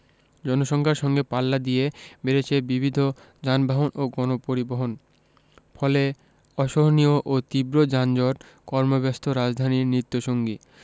জনসংখ্যার সঙ্গে পাল্লা দিয়ে বেড়েছে বিবিধ যানবাহন ও গণপরিবহন ফলে অসহনীয় ও তীব্র যানজট কর্মব্যস্ত রাজধানীর নিত্যসঙ্গী